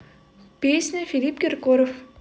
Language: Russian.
песня филипп киркоров